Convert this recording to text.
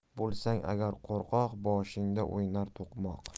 bo'lsang agar qo'rqoq boshingda o'ynar to'qmoq